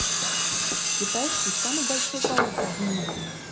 китайский самый большой паук в мире